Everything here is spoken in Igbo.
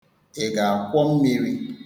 Ị ga-akwọ mmiri?